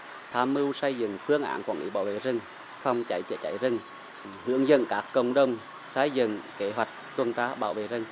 tham mưu xây dựng phương án quản lý bảo vệ rừng phòng cháy chữa cháy rừng hướng dẫn các cộng đồng xây dựng kế hoạch tuần tra bảo vệ rừng